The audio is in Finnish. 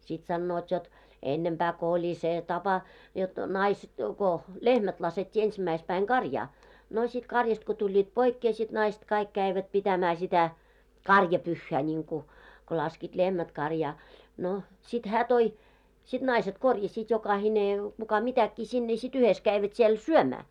sitten sanovat jotta ennempää kun oli se tapa jotta - kun lehmät laskettiin ensimmäispäivänä karjaan no sitten karjasta kun tulivat poikkeen sitten naista kaikki kävivät pitämään sitä karjapyhää niin kuin kun laskivat lehmät karjaan no sitten hän toi sitten naiset korjasivat jokainen kuka mitäkin sinne sitten yhdessä kävivät siellä syömään